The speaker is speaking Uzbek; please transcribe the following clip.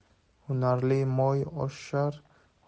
hunarli moy oshar